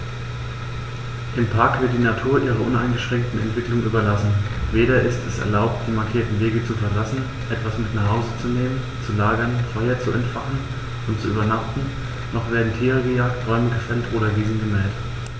Im Park wird die Natur ihrer uneingeschränkten Entwicklung überlassen; weder ist es erlaubt, die markierten Wege zu verlassen, etwas mit nach Hause zu nehmen, zu lagern, Feuer zu entfachen und zu übernachten, noch werden Tiere gejagt, Bäume gefällt oder Wiesen gemäht.